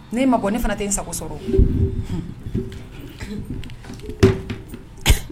N e ma ko ne fana tɛ sago sɔrɔ